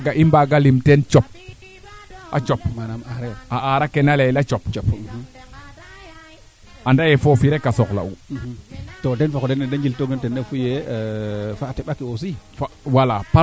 faw o duufa nga den no ngoolo ngeke leyoonga refna mai rooga deɓ na juin woxey njok luwa yee no xambaxay ten poond ke mborit kaa na xambaxay nu sereer a fadit ina teen